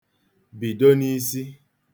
Bido n'isi.